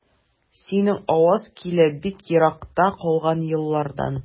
Синең аваз килә бик еракта калган еллардан.